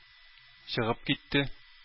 Чыгып китте